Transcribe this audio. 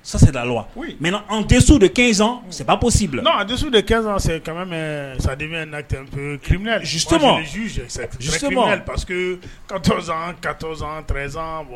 Sa c'est la loi. Mais en dessous de 15 ans c'est pas possible . En dessous de 15 ans sa devient un acte un peu criminel. Justement . Parceque 14 ans 13 ans